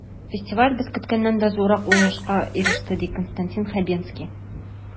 Фестиваль без көткәннән дә зуррак уңышка иреште, ди Константин Хабенский.